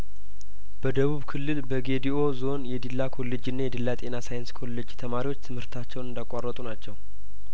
በደቡብ ክልል በጌዲኦ ዞን የዲላ ኮሌጅና የዲላ ጤና ሳይንስ ኮሌጅ ተማሪዎች ትምህርታቸውን እንዳቋረጡ ናቸው